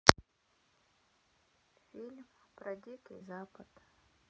фильм про дикий запад